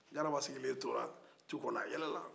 garaba sigilen tora tu kɔnɔ a yɛlɛla